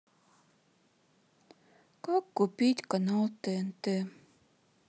как купить канал тнт